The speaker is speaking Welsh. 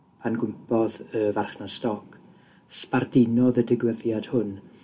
pan gwympodd y farchnad stoc. Sbardunodd y digwyddiad hwn